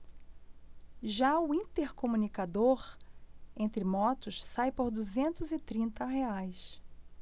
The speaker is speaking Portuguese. já o intercomunicador entre motos sai por duzentos e trinta reais